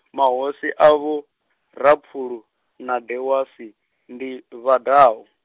mahosi avho Raphulu, na Dewasi, ndi Vhadau.